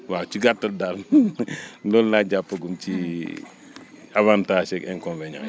waa ci gàttal daal loolu laa jàppagum ci avantage yeeg inconvenients yi